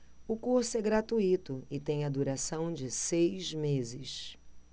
o curso é gratuito e tem a duração de seis meses